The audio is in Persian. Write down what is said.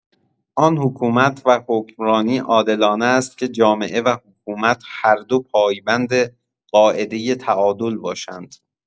آن حکومت و حکمرانی عادلانه است که جامعه و حکومت هر دو پای‌بند قاعده تعادل باشند.